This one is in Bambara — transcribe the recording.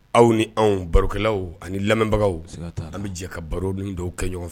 Aw ni anw barokɛlaw ani lamɛnbagaw taa an bɛ jɛ ka baro ni dɔw kɛ ɲɔgɔn fɛ